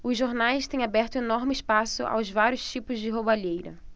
os jornais têm aberto enorme espaço aos vários tipos de roubalheira